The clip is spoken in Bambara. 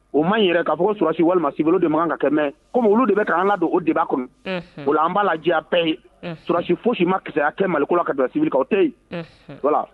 O ma yɛrɛ k'a fɔ ko surasi walima si de man kan ka kɛ kɔmi olu de bɛ ka an ka don o deba kɔnɔ boli an b'a laji bɛɛ ye susi foyisi ma kiya kɛ mali kasibikaw tɛ yen wala